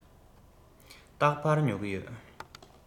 རྟག པར ཉོ གི ཡོད